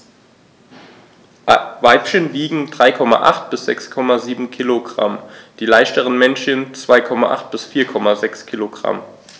Weibchen wiegen 3,8 bis 6,7 kg, die leichteren Männchen 2,8 bis 4,6 kg.